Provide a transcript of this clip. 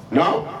Naamu